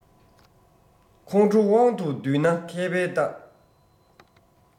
ཁོང ཁྲོ དབང དུ འདུས ན མཁས པའི རྟགས